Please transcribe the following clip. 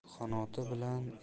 qush qanoti bilan